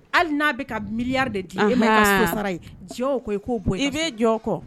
Hali n'a bɛ ka miiriya de dilan e masasa ye diɲɛ ko i k'o bɔ i bɛ jɔ kɔ